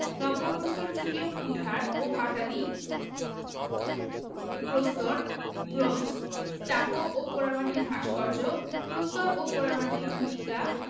নব্যপ্রস্তরযুগীয় কুঠার ও বাটালি প্রস্তর ব্রোঞ্জ স্টাকো ও পোড়ামাটির ভাস্কর্য প্রস্তর ও পোড়ামাটির গুটিকা